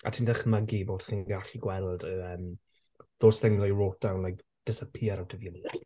A ti'n dychmygu bod chi'n gallu gweld yr yym those things that you wrote down like disappear out of the universe.